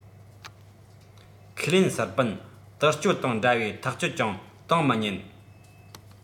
ཁས ལེན སུར པན ཏིལ སྐྱོ དང འདྲ བས ཐག བཅད ཅིང བཏང མི ཉན